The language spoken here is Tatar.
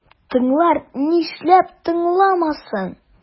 Тыңлар, нишләп тыңламасын?